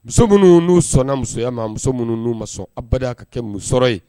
Muso minnu n'u sɔnna musoya ma muso minnu nu ma sɔn aba ka kɛ muso sɔrɔ ye